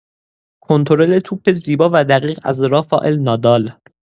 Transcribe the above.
کنترل توپ زیبا و دقیق از رافائل نادال